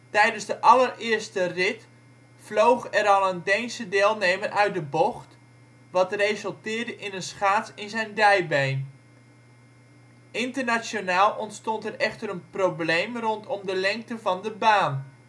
Tijdens de allereerste rit vloog er al een Deense deelnemer uit de bocht, wat resulteerde in een schaats in zijn dijbeen. Internationaal ontstond er echter een probleem rondom de lengte van de baan